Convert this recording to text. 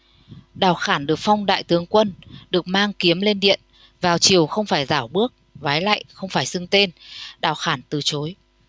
đào khản được phong đại tướng quân được mang kiếm lên điện vào triều không phải rảo bước vái lạy không phải xưng tên đào khản từ chối